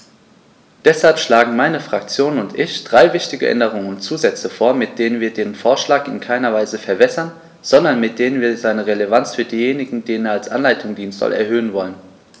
Deshalb schlagen meine Fraktion und ich drei wichtige Änderungen und Zusätze vor, mit denen wir den Vorschlag in keiner Weise verwässern, sondern mit denen wir seine Relevanz für diejenigen, denen er als Anleitung dienen soll, erhöhen wollen.